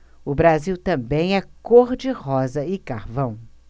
o brasil também é cor de rosa e carvão